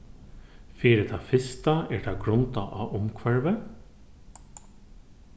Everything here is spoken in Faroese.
fyri tað fyrsta er tað grundað á umhvørvið